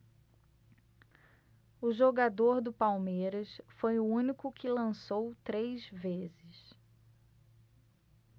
o jogador do palmeiras foi o único que lançou três vezes